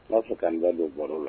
N b'a fɛ k'an da don baro la.